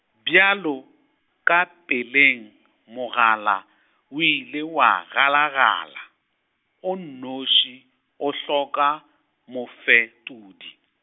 bjalo ka peleng, mogala, o ile wa galagala, o nnoši, o hloka, mofetodi.